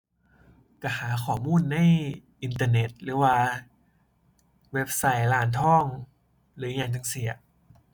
ก็หาข้อมูลในอินเทอร์เน็ต หรือว่าเว็บไซต์ร้านทอง หรืออิหยังจั่งซี้อะ